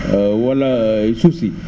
wala suuf si